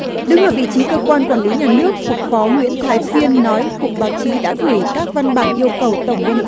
đứng ở vị trí cơ quan quản lý nhà nước cục phó nguyễn thái phiên nói cục báo chí đã gửi các văn bản yêu cầu tổng biên